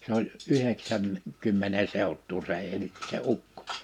se oli - yhdeksänkymmenen seutua se eli se ukko